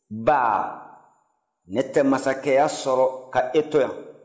baa ne tɛ masakɛya sɔrɔ k'e to yan